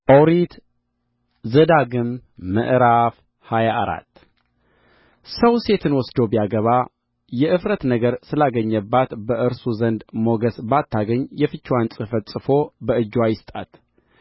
ኦሪት ዘዳግም ምዕራፍ ሃያ አራት ሰው ሴትን ወስዶ ቢያገባ የእፍረት ነገር ስላገኘባት በእርሱ ዘንድ ሞገስ ባታገኝ የፍችዋን ጽሕፈት ጽፎ በእጅዋ ይስጣት ከቤቱም ይስደዳት